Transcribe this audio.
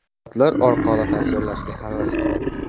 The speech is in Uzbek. suratlar orqali tasvirlashga havas qilaman